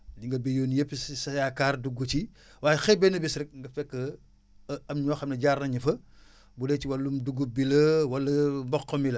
li nga béyoon yëpp si sa yaakaar dugg ci waaye xëy benn bés rek nga fekk am ñoo xam ne jaar nañu fa bu dee ci wàllum dugub bi la wala mboq mi la